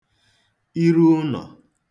iru ụnọ̄